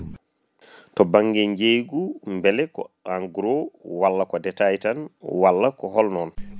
kala awdi tan baɗiradi traité Aprostar , ina hewi dadde e ɗeɗo caɗele